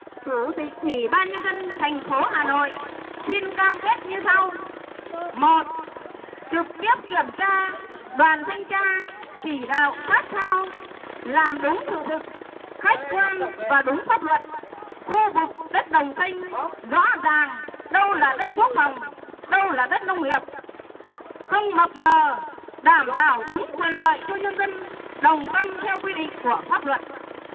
chủ tịch ủy ban nhân dân thành phố hà nội xin cam kết như sau một trực tiếp kiểm tra đoàn thanh tra chỉ đạo sát sao làm đúng sự thật khách quan và đúng pháp luật khu vực đất đồng sênh rõ ràng đâu là đất quốc phòng đâu là đất nông nghiệp không mập mờ đảm bảo đúng quyền lợi cho nhân dân đồng tâm theo quy định của pháp luật